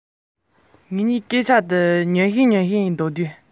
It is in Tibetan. སློབ གྲྭར སོང བ དེ